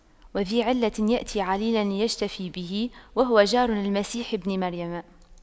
وذى علة يأتي عليلا ليشتفي به وهو جار للمسيح بن مريم